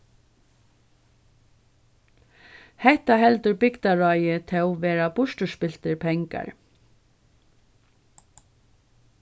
hetta heldur bygdaráðið tó vera burturspiltir pengar